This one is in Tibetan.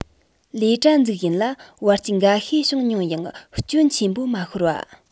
ལས གྲྭ འཛུགས ཡུན ལ བར རྐྱེན འགའ ཤས བྱུང མྱོང ཡང སྐྱོན ཆེན པོ མ ཤོར བ